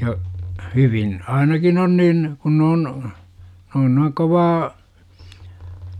ja hyvin ainakin on niin kun ne on ne on noin kovaa